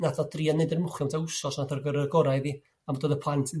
Na'th o drio 'neud yr ymchwil 'm tua wsnos on' gor'o' rhoi gorau iddi, am do'dd y plant